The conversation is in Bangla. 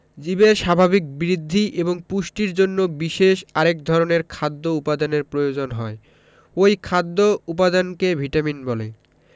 জীবের স্বাভাবিক বৃদ্ধি এবং পুষ্টির জন্য বিশেষ আরেক ধরনের খাদ্য উপাদানের প্রয়োজন হয় ঐ খাদ্য উপাদানকে ভিটামিন বলে